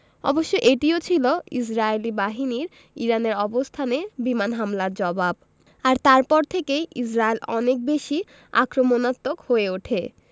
অবশ্য এটিও ছিল ইসরায়েলি বাহিনীর ইরানের অবস্থানে বিমান হামলার জবাব আর তারপর থেকেই ইসরায়েল অনেক বেশি আক্রমণাত্মক হয়ে ওঠে